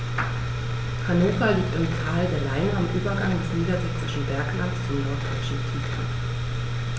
Hannover liegt im Tal der Leine am Übergang des Niedersächsischen Berglands zum Norddeutschen Tiefland.